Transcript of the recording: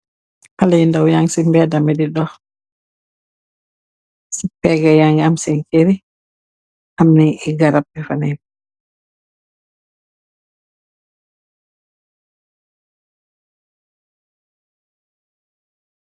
Xalèh yu ndaw yang ci mbedami di dox, sipegga ya ngi am sèèn kèr yi am yenna garap yi fa nekka.